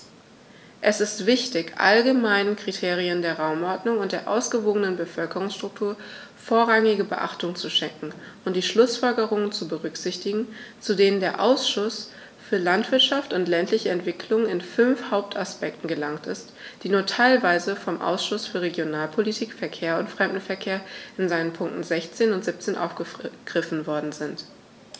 Es ist wichtig, allgemeinen Kriterien der Raumordnung und der ausgewogenen Bevölkerungsstruktur vorrangige Beachtung zu schenken und die Schlußfolgerungen zu berücksichtigen, zu denen der Ausschuss für Landwirtschaft und ländliche Entwicklung in fünf Hauptaspekten gelangt ist, die nur teilweise vom Ausschuss für Regionalpolitik, Verkehr und Fremdenverkehr in seinen Punkten 16 und 17 aufgegriffen worden sind.